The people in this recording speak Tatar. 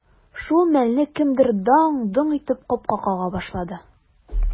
Шул мәлне кемдер даң-доң итеп капка кага башлады.